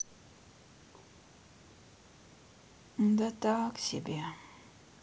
да так себе